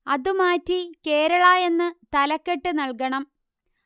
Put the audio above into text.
അത് മാറ്റി കേരള എന്ന് തലക്കെട്ട് നൽകണം